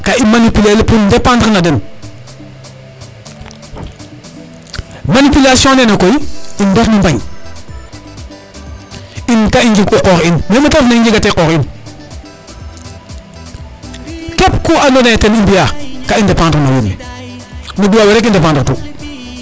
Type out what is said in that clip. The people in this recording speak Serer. ka i manipuler el pour dépendre na den manipulation nene koy in mbarno mbañin ka i njeg u qoox in mais mete ref na i njegate qoox in kep ku ando naye ten i mbiya ka i dépendre no wiin we no diɓaaw we rek i dependre atu